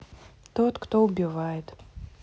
тот кто убивает